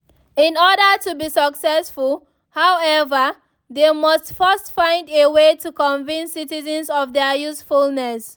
In order to be successful, however, they must first find a way to convince citizens of their usefulness.